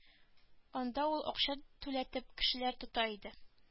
Анда ул акча түләтеп кешеләр тота ди